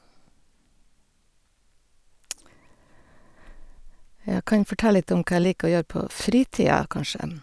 Ja, kan fortelle litt om hva jeg liker å gjøre på fritida, kanskje.